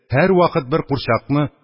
Һәрвакыт бер курчакны